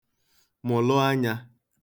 mụ̀lụ anyā